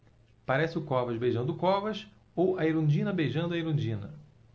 parece o covas beijando o covas ou a erundina beijando a erundina